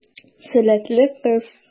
Сәләтле кыз.